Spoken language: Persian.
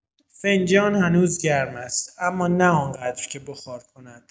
فنجان هنوز گرم است، اما نه آن‌قدر که بخار کند.